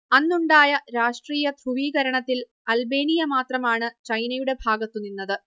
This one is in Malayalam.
അന്നുണ്ടായ രാഷ്ട്രീയ ധ്രുവീകരണത്തിൽ അൽബേനിയ മാത്രമാണ് ചൈനയുടെ ഭാഗത്തു നിന്നത്